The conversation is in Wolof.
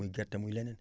muy gerte muy leneen